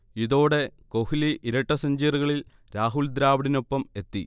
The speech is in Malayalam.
ഇതോടെ കോഹ്ലി ഇരട്ട സെഞ്ചുറികളിൽ രാഹുൽ ദ്രാവിഡിനൊപ്പം എത്തി